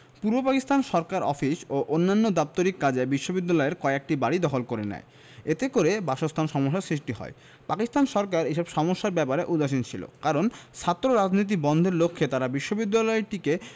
পূর্ব পাকিস্তান সরকার অফিস ও অন্যান্য দাপ্তরিক কাজে বিশ্ববিদ্যালয়ের কয়েকটি বাড়ি দখল করে নেয় এতে করে বাসস্থান সমস্যার সৃষ্টি হয় পাকিস্তান সরকার এসব সমস্যার ব্যাপারে উদাসীন ছিল কারণ ছাত্ররাজনীতি বন্ধের লক্ষ্যে তারা বিশ্ববিদ্যালয়টিকে